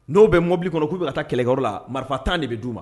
N'o bɛ mɔbili kɔnɔ k'u bɛ taa kɛlɛkɛyɔrɔ la marifa 10 de bɛ d' u ma.